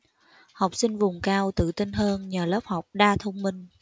học sinh vùng cao tự tin hơn nhờ lớp học đa thông minh